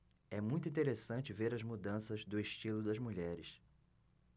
é muito interessante ver as mudanças do estilo das mulheres